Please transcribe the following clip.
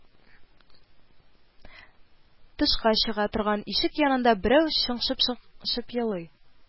Тышка чыга торган ишек янында берәү шыңшып-шыңшып елый